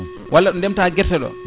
walla ɗo ndemta guerta ɗo